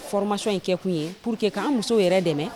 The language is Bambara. Formation in kɛ kun ye pour que k'an muso yɛrɛ dɛmɛ